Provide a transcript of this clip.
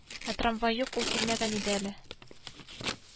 Ә трамвай юк ул килмәгән иде әле